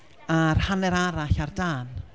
a'r hanner arall ar dân.